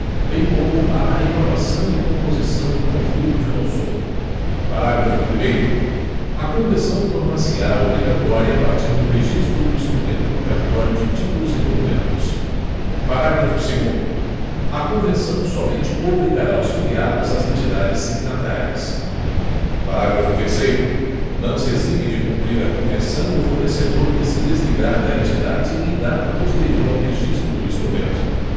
bem como à reclamação e composição do conflito de consumo parágrafo primeiro a convenção tornarse á obrigatória a partir do registro do instrumento no cartigoório de títulos e documentos parágrafo segundo a convenção somente obrigará os filiados às entidades signatárias parágrafo terceiro não se exime de cumprir a convenção o fornecedor que se desligar da entidade em data posterior ao registro do instrumento